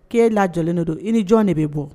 K' lajɔlen don i ni jɔn de bɛ bɔ